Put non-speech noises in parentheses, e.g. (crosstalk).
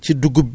(hesitation) (hesitation)